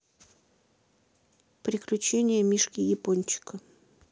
приключения мишки япончика